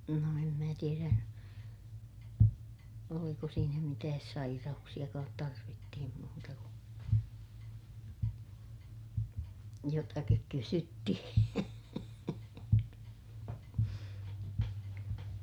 no en minä tiedä oliko siinä mitään sairauksiakaan tarvittiin muuta kuin jotakin kysyttiin